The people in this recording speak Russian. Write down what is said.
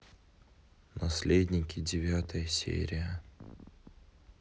наследники девятая серия